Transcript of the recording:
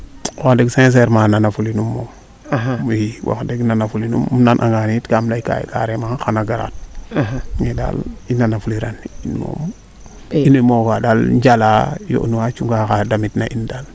wax deg sincerement nana filinum moom oui wax deg nana fulinum nan angaan yit kam leykaa yee carrement xana garaa mais daal i nana fuliran in moom in way moofa daal njalaa yond nuwaa cunga xaa damit na in